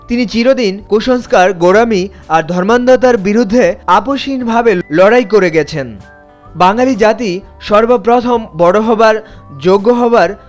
তিনি চিরদিন কুসংস্কার গোঁড়ামি আর ধর্মান্ধতার বিরুদ্ধে আপোষহীনভাবে লড়াই করে গেছেন বাঙালি জাতি সর্বপ্রথম বড় হবার যোগ্য হবার